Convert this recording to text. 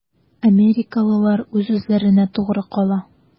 Америкалылар үз-үзләренә тугры кала.